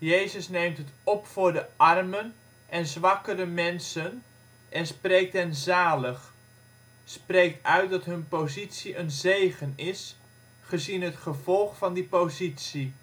Jezus neemt het op voor de armen en zwakkere mensen en spreekt hen zalig (spreekt uit dat hun positie een zegen is, gezien het gevolg van die positie